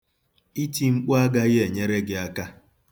Iti mkpu agaghị enyere gị aka.